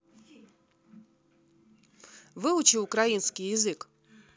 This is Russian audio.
выучи украинский язык